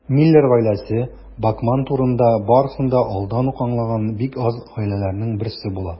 Миллер гаиләсе Бакман турында барысын да алдан ук аңлаган бик аз гаиләләрнең берсе була.